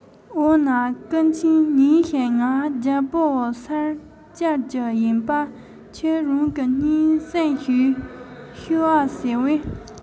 འོ ན སྐུ མཁྱེན ཉིན ཞིག ང རྒྱལ པོའོ སར བཅར གྱི ཡིན པས ཁྱེད རང གིས སྙན གསེང ཞུས ཤོག ཨྰ ཟེར བས